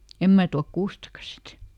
en minä tuo kuustakaan sitten